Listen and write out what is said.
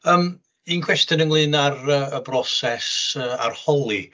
Yym, un cwestiwn ynglyn â'r yy y broses yy arholi.